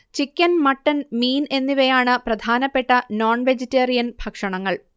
chicken mutton മീൻ എന്നിവയാണ് പ്രധാനപ്പെട്ട നോൺവെജിറ്റേറിയൻ ഭക്ഷണങ്ങൾ